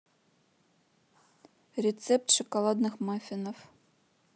рецепт шоколадных маффинов